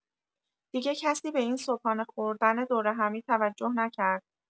دیگه کسی به این صبحانه خوردن دور همی توجه نکرد.